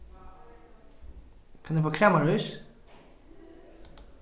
kann eg fáa kramarís